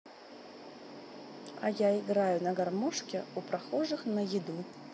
а я играю на гармошке у прохожих на еду